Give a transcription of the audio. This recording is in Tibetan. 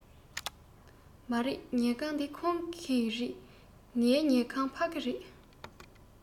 མ རེད ཉལ ཁང འདི ཁོང གི རེད ངའི ཉལ ཁང ཕ གི རེད